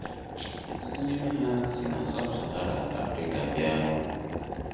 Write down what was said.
Ọtụtụ n'ime ha sị na sub-Sahara Afrịka bịa.